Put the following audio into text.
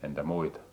entä muita